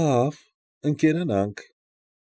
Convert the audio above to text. Լա՛վ, ընկերանանք։